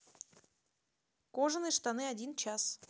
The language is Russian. кожаные штаны один час